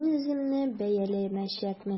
Мин үземне бәяләмәячәкмен.